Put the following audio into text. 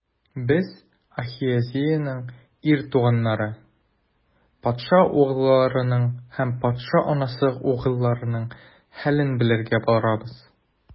Без - Ахазеянең ир туганнары, патша угылларының һәм патша анасы угылларының хәлен белешергә барабыз.